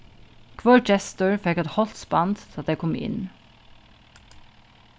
hvør gestur fekk eitt hálsband tá tey komu inn